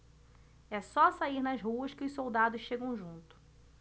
é só sair nas ruas que os soldados chegam junto